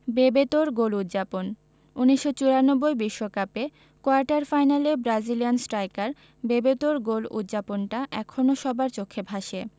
বেবেতোর গোল উদ্যাপন ১৯৯৪ বিশ্বকাপে কোয়ার্টার ফাইনালে ব্রাজিলিয়ান স্ট্রাইকার বেবেতোর গোল উদ্যাপনটা এখনো সবার চোখে ভাসে